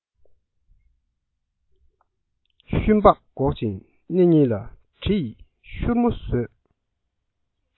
ཤུན ལྤགས བཀོག ཅིང སྣེ གཉིས ལ གྲི ཡིས ཤུར མོ བཟོས